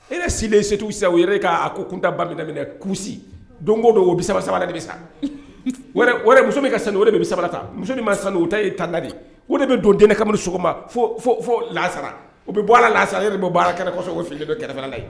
E si de setu sa u yɛrɛ k'a ko kunta ba kusi don ko don o bi saba saba de bɛ sa muso min ka san o de bɛ saba tan muso ni ma san o ta e ta ladi ko de bɛ don deni ne kabini sɔgɔma fo fo lasara o bɛ bɔ la lasa yɛrɛ bɛ baara kɛlɛsɔn fili bɛ kɛrɛfɛla ye